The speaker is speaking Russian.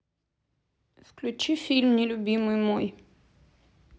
включи фильм нелюбимый мой